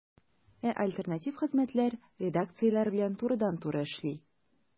Ә альтернатив хезмәтләр редакцияләр белән турыдан-туры эшли.